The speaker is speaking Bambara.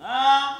Ha